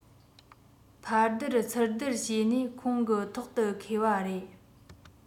ཕར སྡུར ཚུར སྡུར བྱས ནས ཁོང གི ཐོག ཏུ འཁེལ བ རེད